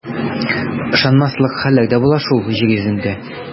Ышанмаслык хәлләр дә була шул җир йөзендә.